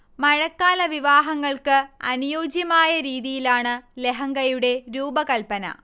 മഴക്കാല വിവാഹങ്ങൾക്ക് അനുയോജ്യമായ രീതിയിലാണ് ലഹങ്കയുടെ രൂപകല്പന